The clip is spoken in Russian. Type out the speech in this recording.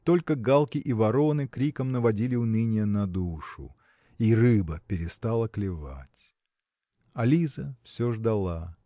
только галки и вороны криком наводили уныние на душу и рыба перестала клевать. А Лиза все ждала